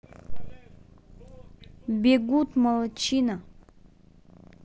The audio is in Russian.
бегут молодчина